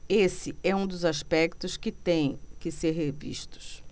esse é um dos aspectos que têm que ser revistos